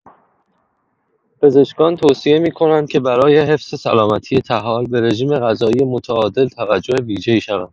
پزشکان توصیه می‌کنند که برای حفظ سلامتی طحال، به رژیم‌غذایی متعادل توجه ویژه‌ای شود.